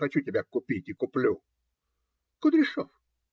Захочу тебя купить - и куплю. - Кудряшов!.